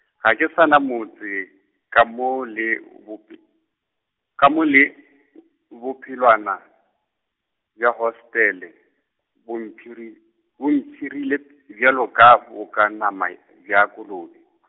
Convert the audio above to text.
ga ke sa na motse, ka mo le bope-, ka mo le , bophelwana, bja hostele, bo mpshiri, bo mpshirile, bjalo ka bo ka nama , bja kolobe .